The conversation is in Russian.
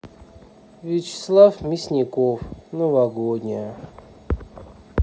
вячеслав мясников новогодняя